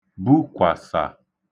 bukwàsà